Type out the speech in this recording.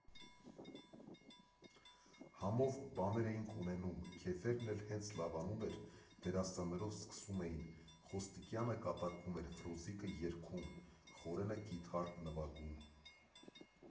Համով բաներ էինք ունենում, քեֆներն էլ հենց լավանում էր, դերասաններով սկսում էին՝ Խոստիկյանը կատակում էր, Ֆրունզիկը՝ երգում, Խորենը՝ կիթառ նվագում։